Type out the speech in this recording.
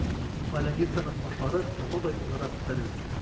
Поляницаның кашлары тагы да югарырак күтәрелде.